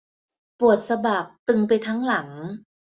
ปวดสะบักตึงไปทั้งหลัง